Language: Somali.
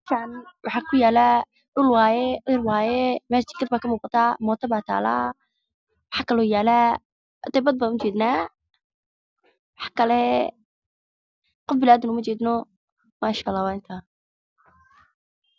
Dhul waayo mooto baa taalo bad baan ujeed naa